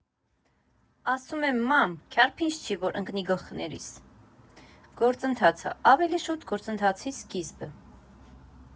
Ասում եմ՝ մամ, քյարփինջ չի, որ ընկնի գլխներիս, գործընթաց ա, ավելի շուտ՝ գործընթացի սկիզբը։